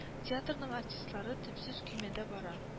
Театрның артистлары төпсез көймәдә бара